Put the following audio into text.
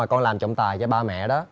con làm trọng tài cho ba mẹ đó